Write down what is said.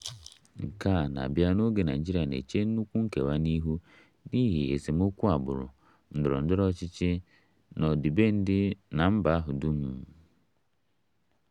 Nke a na-abịa n'oge Naịjirịa na-eche nnukwu nkewa ihu n'ihi esemokwu agbụrụ, ndọrọndọrọ ọchịchị na ọdịbendị na mba ahụ dum.